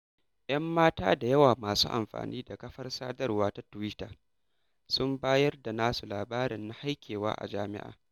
Yan mata da yawa masu amfani da kafar sadarwa ta tuwita sun bayar da nasu labarin na haikewa a jami'a.